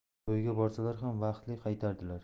to'yga borsalar ham vaqtli qaytardilar